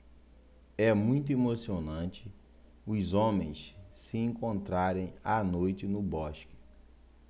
é muito emocionante os homens se encontrarem à noite no bosque